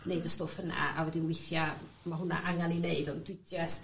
neud y stwff yna a wedyn withia ma' hwnna angan 'i neud ond dw jyst...